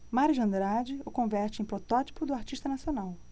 mário de andrade o converte em protótipo do artista nacional